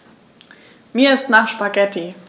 Mir ist nach Spaghetti.